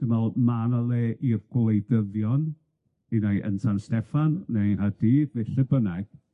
Dwi'n me'wl ma' 'na le i'r gwleidyddion, p'un ai yn San Steffan neu yng Nghaerdydd ne' lle bynnag,